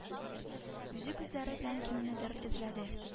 Үзе күзләре белән кемнедер эзләде